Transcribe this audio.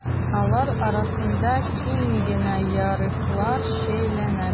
Алар арасында киң генә ярыклар шәйләнә.